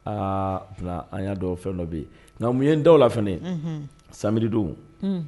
Aa an y'a dɔw fɛn dɔ bɛ yen nka mun ye da la fana saridon